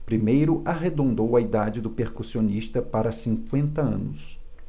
primeiro arredondou a idade do percussionista para cinquenta anos